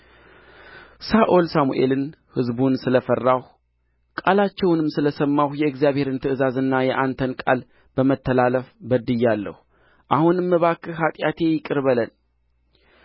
ሳኦልም ሳሙኤልን ሕዝቡን ስለ ፈራሁ ቃላቸውንም ስለ ሰማሁ የእግዚአብሔርን ትእዛዝና የአንተን ቃል በመተላለፍ በድያለሁ አሁንም እባክህ ኃጢአቴን ይቅር በለኝ